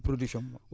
production am